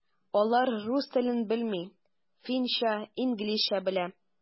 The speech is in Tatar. Алар рус телен белми, финча, инглизчә белә.